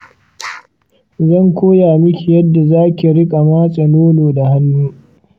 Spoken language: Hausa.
zan koya miki yadda zaki riƙa matse nono da hannu